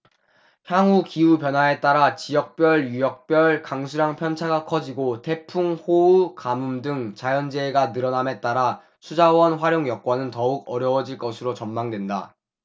향후 기후변화에 따라 지역별 유역별 강수량 편차가 커지고 태풍 호우 가뭄 등 자연재해가 늘어남에 따라 수자원 활용 여건은 더욱 어려워질 것으로 전망된다